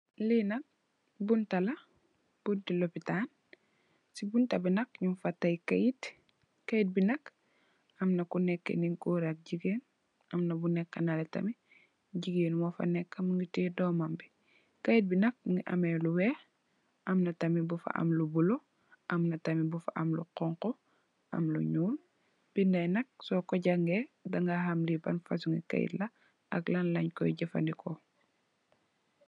Li nak bunta la bunta lopitan ci bunta bi nak ñing fa tay kayit, kayit bi nak am na ku nekka ni gór ak jigeen am na bu nekka nale tamit jigeen mo fa nekka mugii teyeh dóómam bi. Kayit bi nak mugii ameh lu wèèx am na tamit bu fa am lu bula, am na tamit bu fa am lu xonxu ak lu ñuul. Bindé yi nak so ko jangèè di ga xam li ban fasungi kayit la ak lan lañ koy jafandiko.